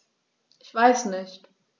Ich weiß nicht.